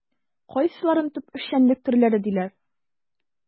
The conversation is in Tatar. Кайсыларын төп эшчәнлек төрләре диләр?